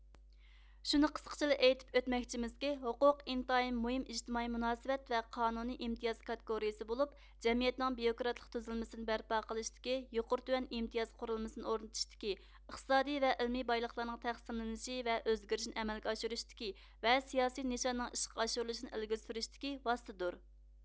شۇنى قىسقىچىلا ئېيتىپ ئۆتمەكچىمىزكى ھوقۇق ئىنتايىن مۇھىم ئىجتىمائىي مۇناسىۋەت ۋە قانۇنىي ئىمتىياز كاتېگورىيىسى بولۇپ جەمئىيەتنىڭ بيۇروكراتلىق تۈزۈلمىسىنى بەرپا قىلىشتىكى يۇقىرى تۆۋەن ئىمتىياز قۇرۇلمىسىنى ئورنىتىشتىكى ئىقتىسادىي ۋە ئىلمىي بايلىقلارنىڭ تەقسىملىنىشى ۋە ئۆزگىرىشىنى ئەمەلگە ئاشۇرۇشتىكى ۋە سىياسىي نىشاننىڭ ئىشقا ئاشۇرۇلۇشىنى ئىلگىرى سۈرۈشتىكى ۋاسىتىدۇر